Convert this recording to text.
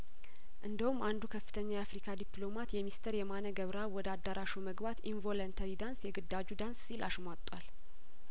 እንደ ውም አንዱ ከፍተኛ የአፍሪካ ዲፕሎማት የሚስተር የማነ ገብረአብ ወደ አዳራሹ መግባት ኢን ቮለንተሪ ዳንስ የግዳጁ ዳንስ ሲሉ አሽሟጧል